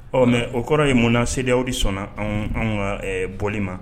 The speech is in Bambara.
Ɔn mais o kɔrɔ ye mun na C D A O de sɔnna anw ka ɛɛ bɔli ma.